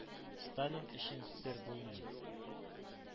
Сталин өчен сер булмый,